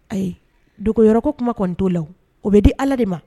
Ayi doko yɔrɔ ko kuma kɔni to la. O bi di ala de ma.